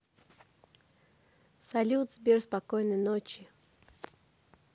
салют сбер спокойной ночи